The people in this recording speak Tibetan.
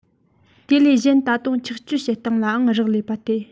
དེ ལས གཞན ད དུང ཆགས སྤྱོད བྱེད སྟངས ལའང རག ལས པ སྟེ